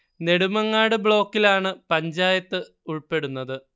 നെടുമങ്ങാട് ബ്ലോക്കിലാണ് പഞ്ചായത്ത് ഉൾപ്പെടുന്നത്